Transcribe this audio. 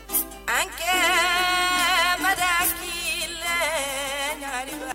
A tile ma'i le lariba